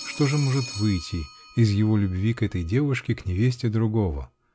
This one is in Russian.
Что же может выйти из его любви к этой девушке, к невесте другого?